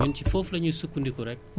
ñun si foofu la ñuy sukkandiku rekk